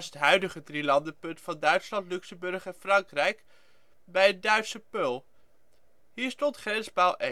huidige drielandenpunt van Duitsland, Luxemburg en Frankrijk bij het Duitse Perl. Hier stond grenspaal